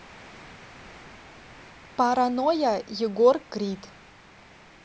паранойя егор крид